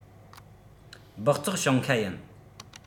སྦགས བཙོག ཞིང ཁ ཡིན